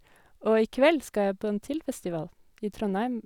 Og i kveld skal jeg på en til festival, i Trondheim.